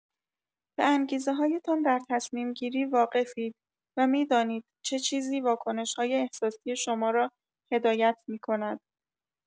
به انگیزه‌هایتان در تصمیم‌گیری واقفید و می‌دانید چه چیزی واکنش‌های احساسی شما را هدایت می‌کند.